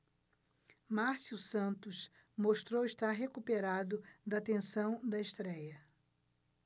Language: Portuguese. márcio santos mostrou estar recuperado da tensão da estréia